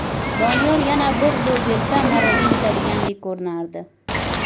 doniyor yana bir zo'r bersa marraga yetadigandek ko'rinardi